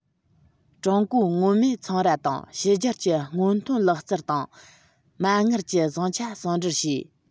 ཀྲུང གོའི མངོན མེད ཚོང ར དང ཕྱི རྒྱལ གྱི སྔོན ཐོན ལག རྩལ དང མ དངུལ གྱི བཟང ཆ ཟུང འབྲེལ བྱས